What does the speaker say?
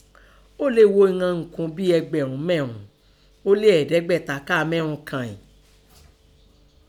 O léè gho ìnọn unǹkun bín ẹgbẹ̀rún mẹ́rùn ún ọ́ lé ẹ̀ẹ́dẹ́gbàáta ká a mẹ́run kàn ìnín.